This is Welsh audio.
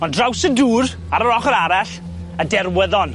Ond draws y dŵr, ar yr ochor arall, y derwyddon.